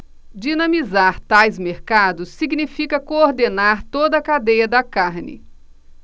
dinamizar tais mercados significa coordenar toda a cadeia da carne